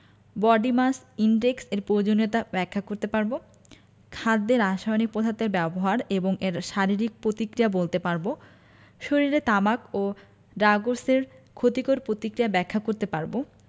body mass index এর পয়োজনীয়তা ব্যাখ্যা করতে পারব খাদ্যে রাসায়নিক পদার্থের ব্যবহার এবং এর শারীরিক পতিক্রিয়া বলতে পারব শরীরে তামাক ও ড্রাগসের ক্ষতিকর পতিক্রিয়া ব্যাখ্যা করতে পারব